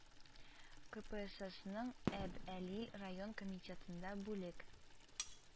КэПээСэСның Әб әлил район комитетында бүлек